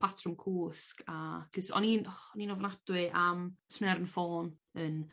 patrwm cwsg a 'c'os o'n i'n oh o'n i'n ofnadwy am ar 'yn ffôn yn